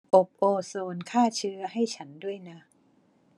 อบโอโซนฆ่าเชื้อให้ฉันด้วยนะ